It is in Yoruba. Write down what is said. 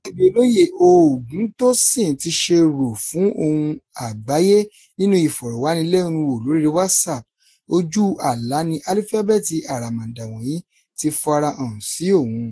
Gẹ́gẹ́ bí Olóyè Ògúntósìn ti ṣe rò fún Ohùn Àgbáyé nínú ìfọ̀rọ̀wánilẹ́nuwò lórí WhatsApp, ojú àlá ni alífábẹ́ẹ̀tì àràmàndà wọ̀nyí ti f'ara hàn sí òun.